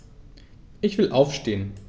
Ich will aufstehen.